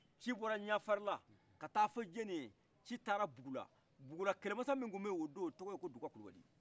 ci bɔra ɲafarila ka taa fɔ jonni ye ci taara bugula bugula kɛlɛ masa min tun bɛ y' odo o tɔgɔ ko duga kulubali